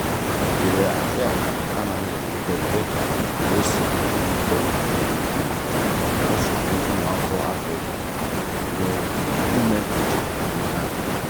Nke a anaghị ewute m dịka o si ewute m nke ukwuu maka nsogbu ụmụafọ Afrịka na-enwe ime njem n'ime Afrịka.